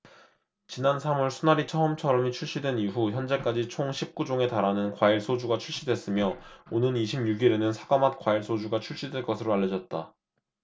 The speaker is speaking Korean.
지난 삼 월 순하리 처음처럼이 출시된 이후 현재까지 총 십 구 종에 달하는 과일소주가 출시됐으며 오는 이십 육 일에는 사과맛 과일소주가 출시될 것으로 알려졌다